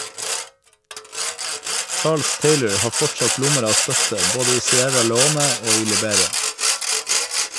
Charles Taylor har fortsatt lommer av støtte både i Sierra Leone og i Liberia.